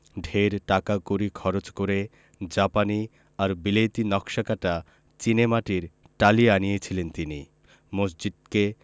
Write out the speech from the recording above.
ঢের টাকাকড়ি খরচ করে জাপানি আর বিলেতী নকশা কাঁটা চীনেমাটির টালি আনিয়েছিলেন তিনি মসজিদকে